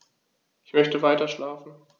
Ich möchte weiterschlafen.